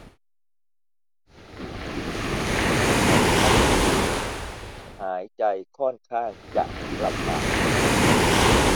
ฉันคัดจมูกหายใจค่อนข้างจะลำบาก